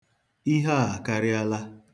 Ihe a akarịala.